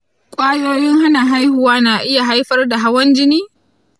kwayoyin hana haihuwa na iya haifar da hawan jini?